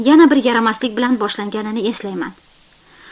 yana bir yaramaslik bilan boshlanganini eslayman